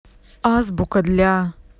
азбука для